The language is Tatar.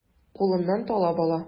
Кулыннан талап ала.